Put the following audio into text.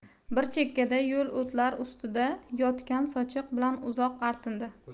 bir chekkada ho'l o'tlar ustida yotgan sochiq bilan uzoq artindi